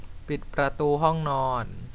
ปิดประตูห้องนอน